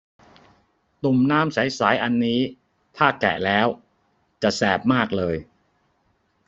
ตุ่มน้ำใสใสอันนี้ถ้าแกะแล้วจะแสบมากเลย